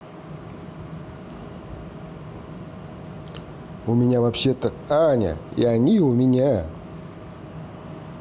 у меня вообще то аня и они у меня